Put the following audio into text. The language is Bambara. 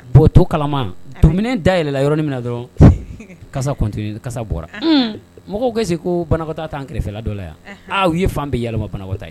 Bon to kalaman to minen dayɛlɛla yɔrɔnin minna dɔrɔn kasa kun te ye kasa bɔra uun mɔgɔw ke est ce que koo banakɔtaa t'an kɛrɛfɛla dɔ la yan anhan aa u ye fan bɛ yala u ma banakɔtaa ye